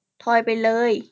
ทอยไปเลย